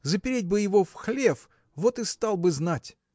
Запереть бы его в хлев – вот и стал бы знать!